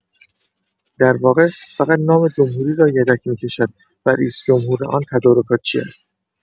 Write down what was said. در واقع فقط نام جمهوری را یدک می‌کشد و رئیس‌جمهور آن تدارکات چی است.